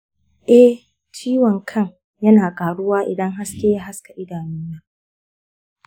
eh, ciwon kan yana ƙaruwa idan haske ya haska idanuna.